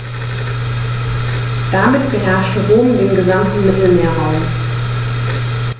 Damit beherrschte Rom den gesamten Mittelmeerraum.